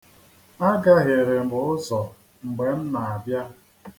A gahiere m ụzọ mgbe m na-abịa.